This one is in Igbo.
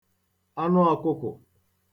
anụọ̄kụ̄kụ̀